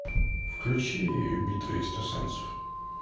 включи битва экстрасенсов